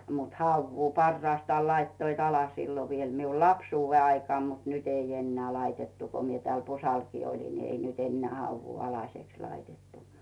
mutta havua parhaastaan laittoivat alle silloin vielä minun lapsuuden aikaan mutta nyt ei enää laitettu kun minä täällä Pusallakin olin niin ei nyt enää havua alaseksi laitettu